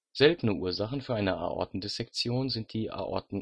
Seltene Ursachen für eine Aortendissektion sind die Aortenisthmusstenose